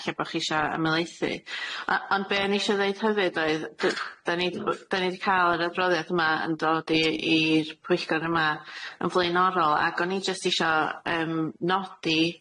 Ella bo' chi isio ymelaethu, o- ond be' o'n i isio ddeud hefyd oedd d- 'dyn ni 'di bo- 'dyn ni 'di ca'l yr adroddiad yma yn dod i i'r pwyllgor yma yn flaenorol ag o'n i jyst isio yym nodi